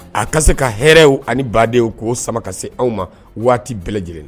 A ka se ka hɛrɛɛw ani baden k ko'o sama ka se anw ma waati bɛɛ lajɛlen la